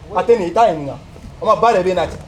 A tɛ nin ye; i taa ɲininka otuma ba de bɛ e n'a cɛ?